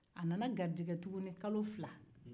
a nana garijɛgɛ tuguni kalo fila